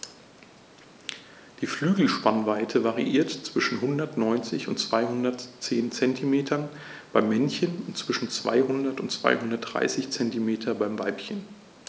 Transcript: Die Flügelspannweite variiert zwischen 190 und 210 cm beim Männchen und zwischen 200 und 230 cm beim Weibchen.